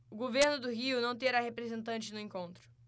o governo do rio não terá representante no encontro